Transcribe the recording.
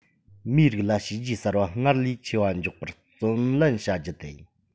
མིའི རིགས ལ བྱས རྗེས གསར པ སྔར ལས ཆེ བ འཇོག པར བརྩོན ལེན བྱ རྒྱུ དེ ཡིན